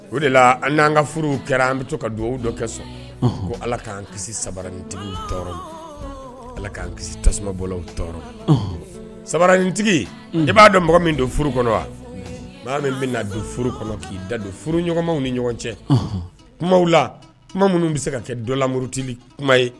O de la an n'an ka furu kɛra an bɛ to ka dugawu dɔ kɛ sɔn ko ala k'an kisi saba nitigi tɔɔrɔ ala k'an kisi tasuma bɔlaw tɔɔrɔ samaintigi i b'a dɔn mɔgɔ min don furu kɔnɔ wa maa min bɛna na don furu kɔnɔ f i da don furu ɲɔgɔnmaw ni ɲɔgɔn cɛ kuma la minnu bɛ se ka kɛ dɔ lamurutili kuma ye